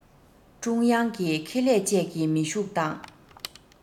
ཀྲུང དབྱང གི ཁེ ལས བཅས ཀྱིས མི ཤུགས དང